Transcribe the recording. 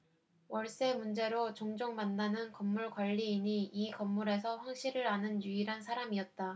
월세 문제로 종종 만나는 건물 관리인이 이 건물에서 황씨를 아는 유일한 사람이었다